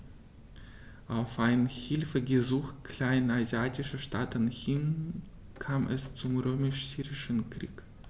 Auf ein Hilfegesuch kleinasiatischer Staaten hin kam es zum Römisch-Syrischen Krieg.